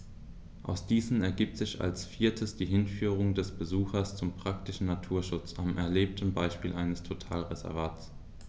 Aus diesen ergibt sich als viertes die Hinführung des Besuchers zum praktischen Naturschutz am erlebten Beispiel eines Totalreservats.